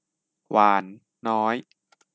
หวานน้อย